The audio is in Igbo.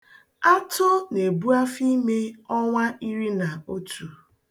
Atụ na-ebu afọ ime ọnwa iri na otu.